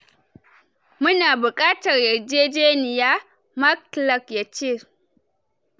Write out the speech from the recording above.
“Mu na bukatar yarjejeniya,” Mr Clark ya ce.